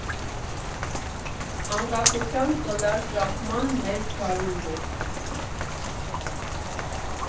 Անկախության ծլարձակման մեր գարունն էր։